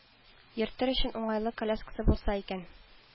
Йөртер өчен уңайлы коляскасы булса икән